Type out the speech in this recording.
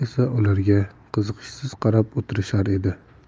esa ularga qiziqishsiz qarab o'tirishar edi